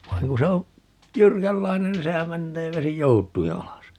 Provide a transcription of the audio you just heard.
vaan kun se on jyrkänlainen niin sehän menee vesi joutuin alas